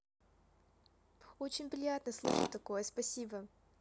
очень приятно слышать такое спасибо